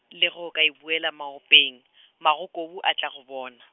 le ge o ka e buela maopeng, magokobu a tla go bona.